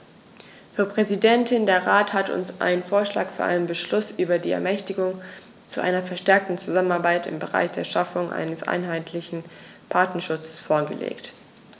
Frau Präsidentin, der Rat hat uns einen Vorschlag für einen Beschluss über die Ermächtigung zu einer verstärkten Zusammenarbeit im Bereich der Schaffung eines einheitlichen Patentschutzes vorgelegt.